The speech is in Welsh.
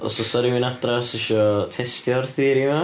Os oes 'na rhywun adra sy isio testio'r theori yna,